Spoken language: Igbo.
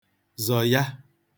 zọ̀ya